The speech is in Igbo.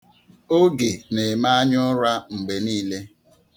Oge na-eme anyaụra mgbe niile.